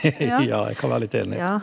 ja jeg kan være litt enig.